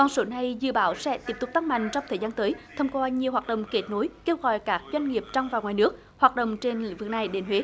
con số này dự báo sẽ tiếp tục tăng mạnh trong thời gian tới thông qua nhiều hoạt động kết nối kêu gọi các doanh nghiệp trong và ngoài nước hoạt động trên lĩnh vực này đến huế